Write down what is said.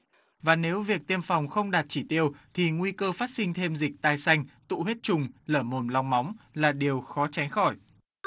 và nếu việc tiêm phòng không đạt chỉ tiêu thì nguy cơ phát sinh thêm dịch tai xanh tụ huyết trùng lở mồm long móng là điều khó tránh khỏi